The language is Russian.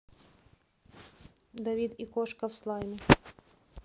давид и кошка в слайме